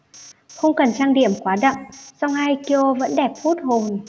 không cần trang điểm quá đậm song hye kyo vẫn đẹp hút hồn